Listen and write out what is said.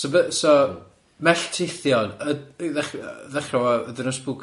So be' so, melltithion y- i ddechr- yy ddechra efo, ydyn nhw'n spooky?